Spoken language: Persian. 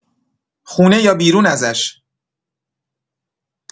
خونه یا بیرون ازش؟